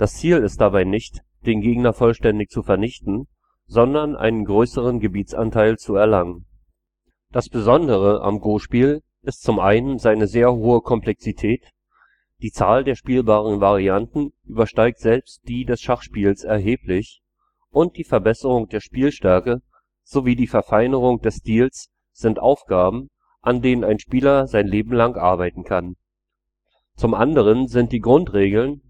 Ziel ist dabei nicht, den Gegner vollständig zu vernichten, sondern einen größeren Gebietsanteil zu erlangen. Das Besondere am Go-Spiel ist zum einen seine hohe Komplexität – die Zahl der spielbaren Varianten übersteigt selbst die des Schachspiels erheblich, und die Verbesserung der Spielstärke sowie die Verfeinerung des Stils sind Aufgaben, an denen ein Spieler sein Leben lang arbeiten kann. Zum anderen sind die Grundregeln